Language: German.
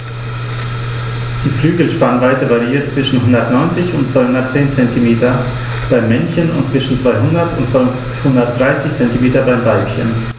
Die Flügelspannweite variiert zwischen 190 und 210 cm beim Männchen und zwischen 200 und 230 cm beim Weibchen.